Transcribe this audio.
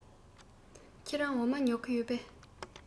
ཁྱེད རང འོ མ ཉོ གི ཡོད པས